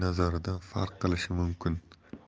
nazaridan farq qilishi mumkin